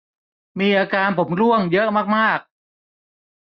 มีอาการผมร่วงเยอะมากมาก